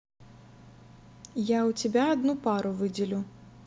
я у тебя одну пару выделю